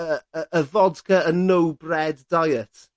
yy y y Vodka and no Bread Diet.